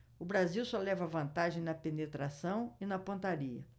o brasil só leva vantagem na penetração e na pontaria